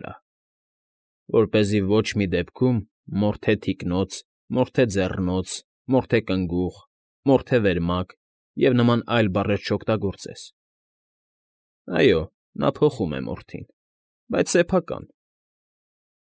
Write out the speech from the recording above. Վրա…